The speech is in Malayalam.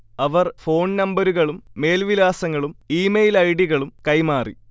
അവർ ഫോൺനമ്പരുകളും മേൽവിലാസങ്ങളും ഇമെയിൽ ഐഡികളും കൈമാറി